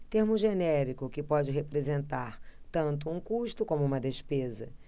termo genérico que pode representar tanto um custo como uma despesa